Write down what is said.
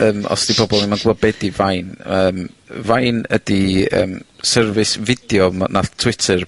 Yym os 'di pobol 'im yn gwbo' be' 'di Vine Yym Vine ydi yym service fideo ma' nath Twitter